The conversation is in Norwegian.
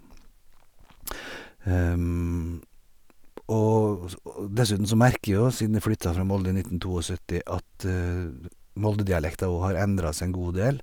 og også Og dessuten så merker jeg jo siden jeg flytta fra Molde i nitten to og sytti at Moldedialekta òg har endra seg en god del.